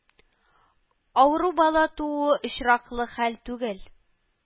Авыру бала тууы очраклы хәл түгел